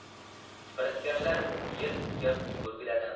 tipratikanlar yer iskab yugurgiladi